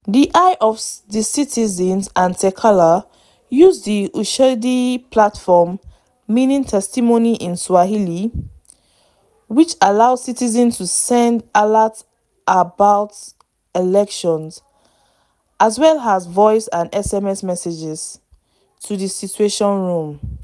The Eye of the Citizen and Txeka-lá use the Ushahidi platform (meaning “testimony” in Swahili), which allows citizens to send alerts about elections, as well as voice and SMS messages, to the ”situation room”.